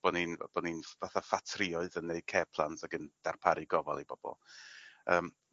bo' ni'n bo' ni'n fath a ffatrïoedd yn neud care plans ag yn darparu gofal i bobol. Yym.